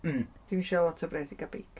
Mm... Ti'm isio lot o bres i gael beic.